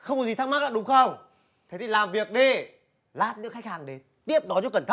không có gì thắc mắc nữa đúng không thế thì làm việc đi lát nữa khách hàng để tiếp đón cho cẩn thận